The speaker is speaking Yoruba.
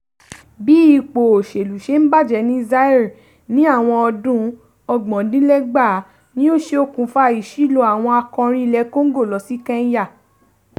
Bí ipò òṣèlú ṣe ń bàjẹ́ ní Zaire ní àwọn ọdún 1970 ni ó ṣe okùnfà ìṣílọ àwọn akọrin ilẹ̀ Congo lọ sí Kenya.